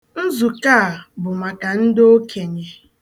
Nzukọ a bụ maka ndị okenye.